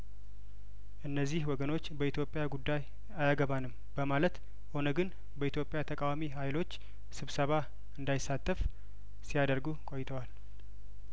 እነዚህ ወገኖች በኢትዮጵያ ጉዳይ አያገባንም በማለት ኦነግን በኢትዮጵያ ተቃዋሚ ሀይሎች ስብሰባ እንዳይሳተፍ ሲያደርጉ ቆይተዋል